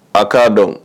A k'a dɔn